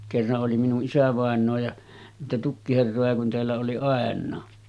kerran oli minun isävainaa ja niitä tukkiherroja kun täällä oli ainakin